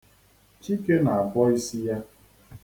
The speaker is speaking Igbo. Chike na-abọ isi ya.